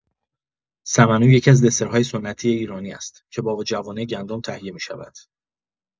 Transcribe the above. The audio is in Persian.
سمنو یکی‌از دسرهای سنتی ایرانی است که با جوانه گندم تهیه می‌شود.